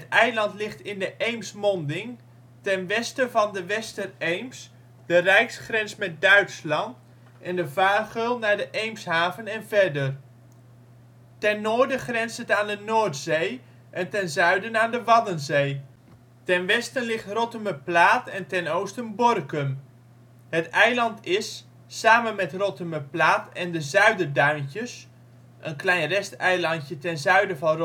eiland ligt in de Eemsmonding ten westen van de Westereems, de rijksgrens met Duitsland en de vaargeul naar de Eemshaven en verder. Ten noorden grenst het aan de Noordzee, en ten zuiden aan de Waddenzee. Ten westen ligt Rottumerplaat en ten oosten Borkum. Het eiland is, samen met Rottumerplaat en de Zuiderduintjes (een klein resteilandje ten zuiden van